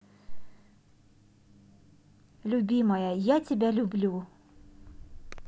любимая я тебя люблю